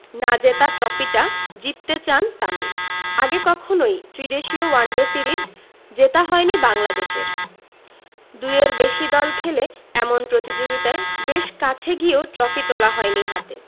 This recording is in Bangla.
না জেতা ট্রফিটা জিততে চান তামিম আগে কখনোই ত্রিদেশীয় ওয়ানডে সিরিজ জেতা হয়নি বাংলাদেশের দুইয়ের বেশি দল খেলে এমন প্রতিযোগিতায় বেশ কাছে গিয়েও ট্রফি তোলা হয়নি হাতে